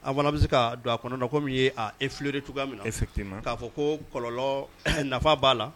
An fana be se kaa don a kɔnɔna comme i ye aa effleurer cogoya min na effectivement k'a fɔ koo kɔlɔlɔ nafa b'a la